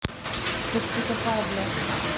тут ты тупая блядь